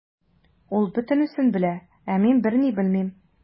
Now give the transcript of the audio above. Ул бөтенесен белә, ә мин берни белмим.